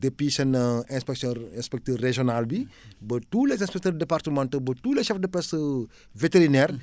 depuis seen inspection inspecteur régional bi ba tous les inspecteurs dépratementaux ba tous les chefs de poste vétérinaire